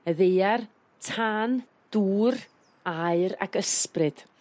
y ddaear, tân, dŵr aur ag ysbryd.